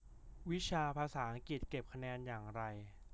วิชาภาษาอังกฤษเก็บคะแนนอย่างไร